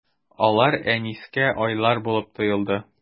Алар Әнискә айлар булып тоелды.